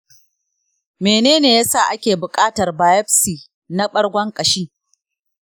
mene yasa ake buƙatar biopsy na ɓargon ƙashi?